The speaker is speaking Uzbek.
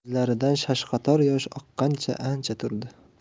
ko'zlaridan shashqator yosh oqqancha ancha turdi